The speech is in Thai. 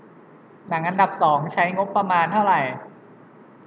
หนังอันดับสองใช้งบประมาณเท่าไหร่